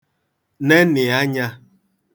nenị̀ anyā